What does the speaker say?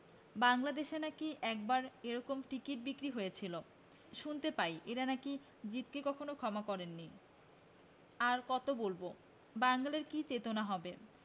বাঙলা দেশে নাকি একবার এরকম টিকি বিক্রি হয়েছিল শুনতে পাই এঁরা নাকি জিদকে কখনো ক্ষমা করেন নি আর কত বলব বাঙালীর কি চেতনা হবে